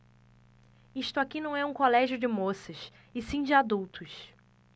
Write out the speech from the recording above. isto aqui não é um colégio de moças e sim de adultos